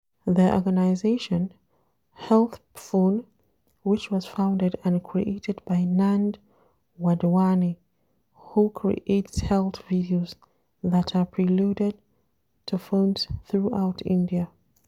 Their organization, HealthPhone, which was founded and created by Nand Wadhwani, who creates health videos that are preloaded to phones throughout India.